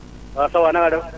waaw ça va na nga def